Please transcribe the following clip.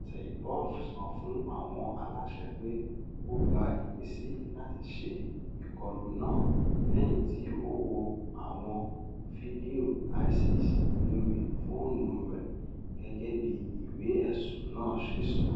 Saipov sọ fún àwọn aláṣẹ pé ó gba ìmísí láti ṣe ìkọlù náà lẹ́yìn tí ó wo àwọn fídíò ISIS lórí fóònù rẹ̀, gẹ́gẹ́ bí ìwé ẹ̀sùn náà ṣe sọ.